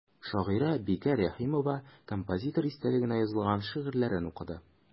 Шагыйрә Бикә Рәхимова композитор истәлегенә язылган шигырьләрен укыды.